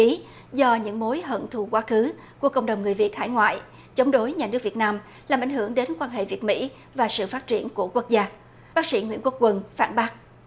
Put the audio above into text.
chí do những mối hận thù quá khứ của cộng đồng người việt hải ngoại chống đối nhà nước việt nam làm ảnh hưởng đến quan hệ việt mỹ và sự phát triển của quốc gia bác sĩ nguyễn quốc quân phản bác